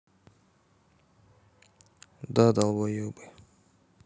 да долбоебы